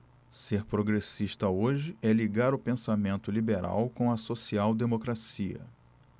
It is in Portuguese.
ser progressista hoje é ligar o pensamento liberal com a social democracia